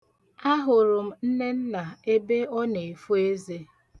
Ahụrụ m Nnenna ebe ọ na-efo eze.